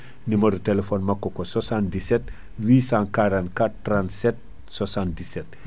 numéro téléphone makko ko 77 844 37 77